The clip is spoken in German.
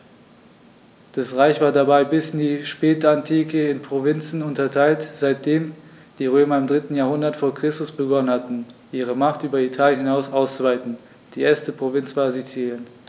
Das Reich war dabei bis in die Spätantike in Provinzen unterteilt, seitdem die Römer im 3. Jahrhundert vor Christus begonnen hatten, ihre Macht über Italien hinaus auszuweiten (die erste Provinz war Sizilien).